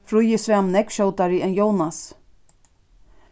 fríði svam nógv skjótari enn jónas